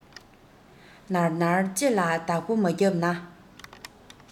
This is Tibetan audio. ནར ནར ལྕེ ལ བདག པོ མ རྒྱབ ན